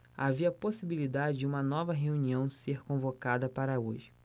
havia possibilidade de uma nova reunião ser convocada para hoje